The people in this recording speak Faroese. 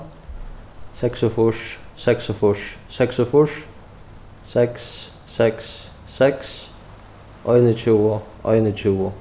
seksogfýrs seksogfýrs seksogfýrs seks seks seks einogtjúgu einogtjúgu